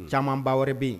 Camanbaa wɛrɛ bɛ yen